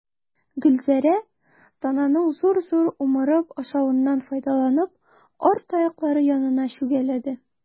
Гөлзәрә, тананың зур-зур умырып ашавыннан файдаланып, арт аяклары янына чүгәләде.